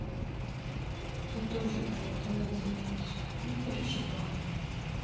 я тоже на это надеюсь не переживай